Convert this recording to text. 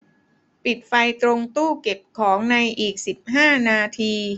ปิดไฟตรงตู้เก็บของในอีกสิบห้านาที